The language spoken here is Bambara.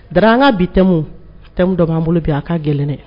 Dara an ka bi thème, thème dɔ b'an bolo bi a ka gɛlɛn dɛ!